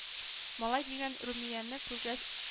Малай дигән Румияне күргәч